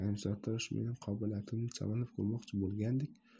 naim sartarosh mening qobiliyatimni chamalab ko'rmoqchi bo'lgandek